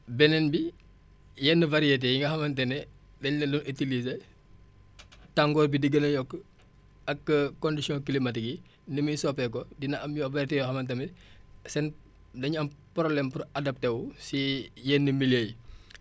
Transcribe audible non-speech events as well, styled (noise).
beneen bi yenn variétés yi nga xamante ne dañ leen doon utiliser (noise) tàngoor bi di gën a yokku ak conditions climatiques yi ni muy soppeekoo dina am yoo * yoo xamante ni seen dañuy am problème pour adapter wu si yenn milieux yi